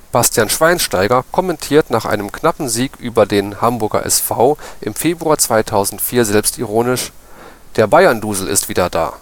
Bastian Schweinsteiger kommentierte nach einem knappen Sieg über den Hamburger SV im Februar 2004 selbstironisch: „ Der Bayerndusel ist wieder da